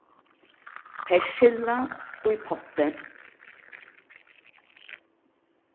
persilla í potti